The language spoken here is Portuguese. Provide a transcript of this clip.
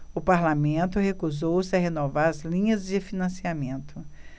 o parlamento recusou-se a renovar as linhas de financiamento